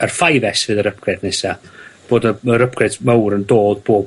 yr five es fydd yr upgrade nesa. Bod y... ma'r upgrades mawr yn dod bob